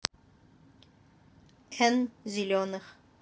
эн зеленых